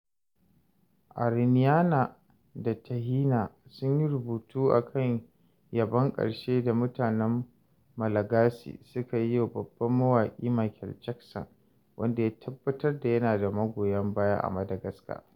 Ariniana da Tahina sun yi rubutu a kan yabon ƙarshe da mutanen Malagasy suka yi wa babban mawaƙi Michael Jackson, wanda ya tabbatar da yana da magoya baya a Madagascar.